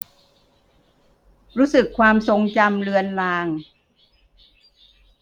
รู้สึกความทรงจำเลือนราง